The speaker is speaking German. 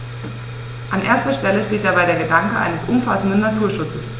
An erster Stelle steht dabei der Gedanke eines umfassenden Naturschutzes.